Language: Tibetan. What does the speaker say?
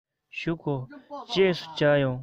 བཞུགས དགོས རྗེས སུ མཇལ ཡོང